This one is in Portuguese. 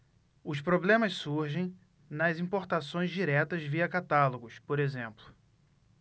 os problemas surgem nas importações diretas via catálogos por exemplo